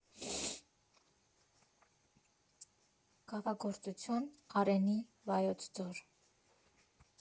Կավագործություն, Արենի, Վայոց Ձոր։